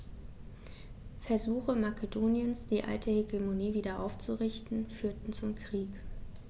Versuche Makedoniens, die alte Hegemonie wieder aufzurichten, führten zum Krieg.